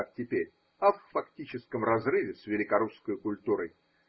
как теперь, а в фактическом разрыве с великорусскою культурой.